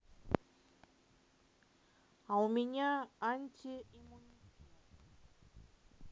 а у меня анти иммунитет